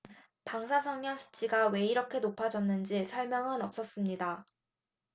방사선량 수치가 왜 이렇게 높아졌는지 설명은 없었습니다